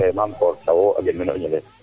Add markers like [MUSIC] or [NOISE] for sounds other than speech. o ni'el Mamecor Thiaw o a gen nene o Ñeles [UNINTELLIGIBLE]